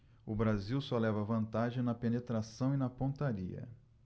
o brasil só leva vantagem na penetração e na pontaria